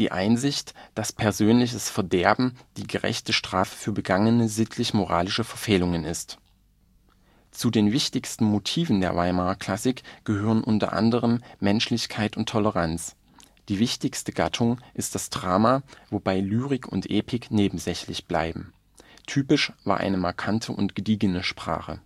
Einsicht, dass persönliches Verderben die gerechte Strafe für begangene sittlich-moralische Verfehlungen ist Zu den wichtigsten Motiven der Weimarer Klassik gehören unter anderem Menschlichkeit und Toleranz. Die wichtigste Gattung ist das Drama, wobei Lyrik und Epik nebensächlich bleiben. Typisch war eine markante und gediegene Sprache